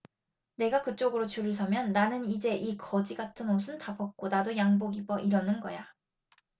내가 그쪽으로 줄을 서면 나는 이제 이 거지 같은 옷은 다 벗고 나도 양복 입어 이러는 거야